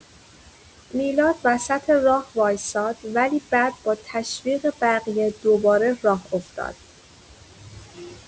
میلاد وسط راه وایساد ولی بعد با تشویق بقیه دوباره راه افتاد.